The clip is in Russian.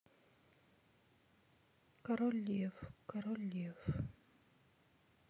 король лев король лев